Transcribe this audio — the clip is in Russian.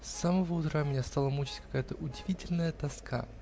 С самого утра меня стала мучить какая-то удивительная тоска.